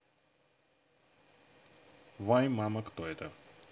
вай мама кто это